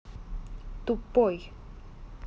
тупой